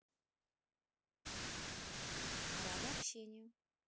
рада общению